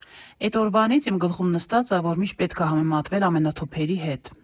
Էդ օրվանից իմ գլխում նստած ա, որ միշտ պետք ա համեմատվել ամենաթոփերի հետ։